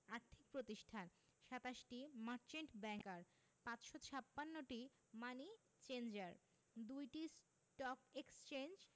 আর্থিক প্রতিষ্ঠান ২৭টি মার্চেন্ট ব্যাংকার ৫৫৬টি মানি চেঞ্জার ২টি স্টক এক্সচেঞ্জ